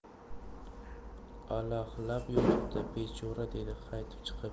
alahlab yotibdi bechora dedi qaytib chiqib